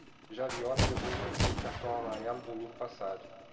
já viola levou o terceiro cartão amarelo domingo passado